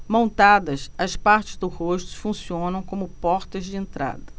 montadas as partes do rosto funcionam como portas de entrada